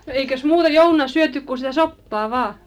no eikös muuta jouluna syöty kuin sitä soppaa vain